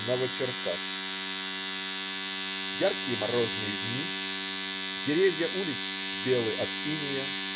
Новочеркасск Яркие, морозные дни. Деревья улиц-белы от инея.